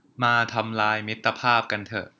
มาทำลายมิตรภาพกันเถอะ